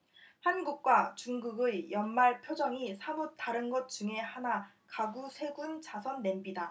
한국과 중국의 연말 표정이 사뭇 다른 것 중의 하나가구세군 자선냄비다